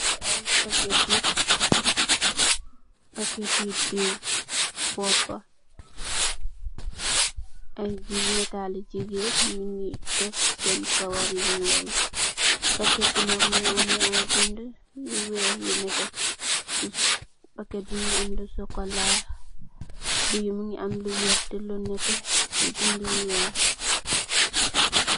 Li ai paket ti diw bopa, amnatali jigenn nyungii deff sen kawari nyul, paketii nak mungii am ai binda yu nete, vertii ak weex.